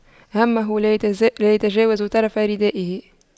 همه لا يتجاوز طرفي ردائه